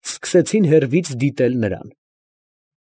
Սկսեցին հեռվից դիտել նրան։